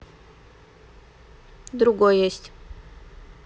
другой есть